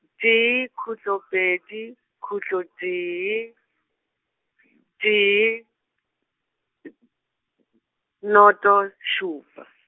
tee, khutlo pedi, khutlo tee, tee , noto, šupa.